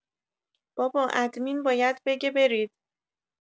بابا ادمین باید بگه برید